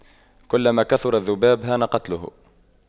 كلما كثر الذباب هان قتله